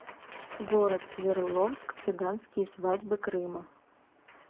город свердловск цыганские свадьбы крыма